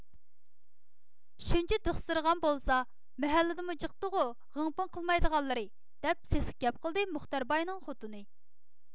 شۇنچە دىخسىرىغان بولسا مەھەللىدىمۇ جىقتىغۇ غىڭ پىڭ قىلمايدىغانلىرى دەپ سېسىق گەپ قىلدى مۇختەر باينىڭ خوتۇنى